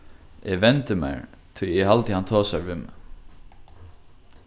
eg vendi mær tí eg haldi hann tosar við meg